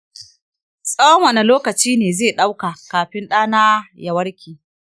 tsawon wani lokaci ne zai ɗauka kafin ɗa na ya warke?